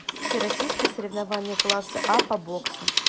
всероссийское соревнование класса а по боксу